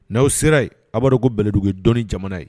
N'aw sera ye a' ba dɔn ko Bɛlɛdugu ye dɔnni jamana ye